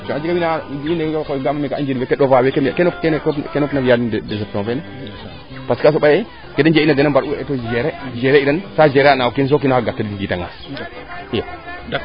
a jega wiin wa ando naye wiin wa o qoye ga ma meeke weeke njira weeke ɗofaa weke m bi keene fop na fiya den deception feene parce :far que a soɓa yee ke de njeg ina dena mbar u eeto gérer gérer iran saa gerer :fraana o kiin so kiinoxa ga tin ngita ngaas